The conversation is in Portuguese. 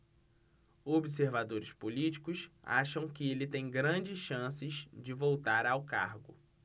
observadores políticos acham que ele tem grandes chances de voltar ao cargo